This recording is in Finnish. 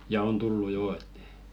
ja on tullut jo että